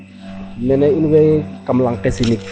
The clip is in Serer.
Mene inwey kam lanq ke sinig.